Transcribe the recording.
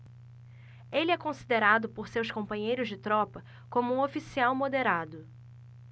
ele é considerado por seus companheiros de tropa como um oficial moderado